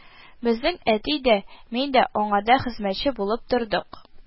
Безнең әти дә, мин дә аңарда хезмәтче булып тордык